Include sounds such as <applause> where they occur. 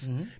<hesitation> <hesitation>